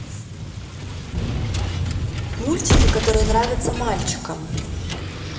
мультики которые нравятся мальчикам